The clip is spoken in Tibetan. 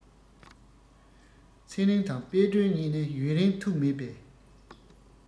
ཚེ རིང དང དཔལ སྒྲོན གཉིས ནི ཡུན རིང ཐུགས མེད པས